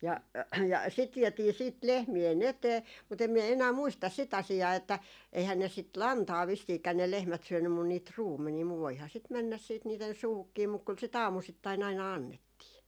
ja ja sitä vietiin sitten lehmien eteen mutta en minä enää muista sitä asiaa että eihän ne sitä lantaa vissiinkään ne lehmät syönyt mutta niitä ruumenia mutta voihan sitä mennä sitten niiden suuhunkin mutta kyllä sitä aamusittain aina annettiin